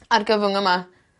argyfwng yma